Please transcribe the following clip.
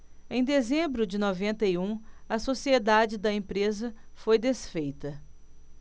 em dezembro de noventa e um a sociedade da empresa foi desfeita